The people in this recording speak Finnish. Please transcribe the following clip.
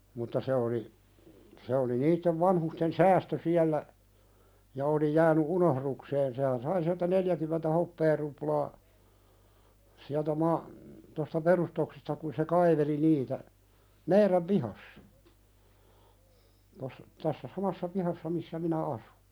mutta se oli se oli niiden vanhusten säästö siellä ja oli jäänyt unohdukseen sehän sai sieltä neljäkymmentä hopearuplaa sieltä - tuosta perustuksesta kun se kaiveli niitä meidän pihassa - tässä samassa pihassa missä minä asun